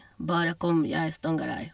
Bare kom, jeg stanger deg.